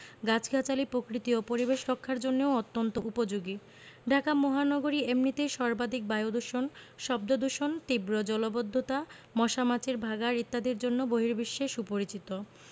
গাছগাছালি পকৃতি ও পরিবেশ রক্ষার জন্যও অত্যন্ত উপযোগী ঢাকা মহানগরী এমনিতেই সর্বাধিক বায়ুদূষণ শব্দদূষণ তীব্র জলবদ্ধতা মশা মাছির ভাঁগাড় ইত্যাদির জন্য বহির্বিশ্বে সুপরিচিত